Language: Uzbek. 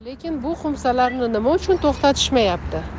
lekin bu xumsalarni nima uchun to'xtatishmayapti